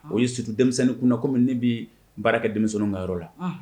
O ye surtout denmisɛnni kunda ,kɔmi ne bɛ baara kɛ denmisɛnnin ka yɔrɔ la, ɔnhɔn.